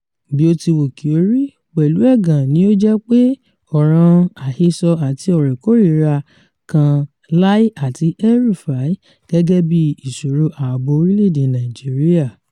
Bí ó ti wù kí ó rí, pẹ̀lú ẹ̀gàn ni ó jẹ́ pé ọ̀ràn-an àhesọ àti ọ̀rọ̀ ìkórìíra kan Lai àti El-Rufai gẹ́gẹ́ bíi ìṣòro ààbò orílẹ̀-èdè Nàìjíríà.